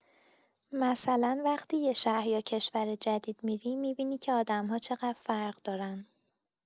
مثلا وقتی یه شهر یا کشور جدید می‌ری، می‌بینی که آدم‌ها چقدر فرق دارن.